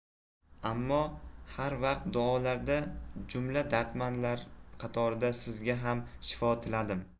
ammo har vaqt duolarda jumla dardmandlar qatorida sizga ham shifo tiladim